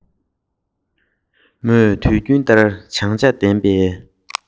ཕོར པ ཞིག བཟུང ནས ལི ལི ཞེས